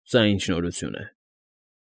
Սա ինչ֊որ նորություն է։